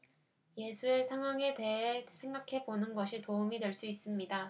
예수의 상황에 대해 생각해 보는 것이 도움이 될 수 있습니다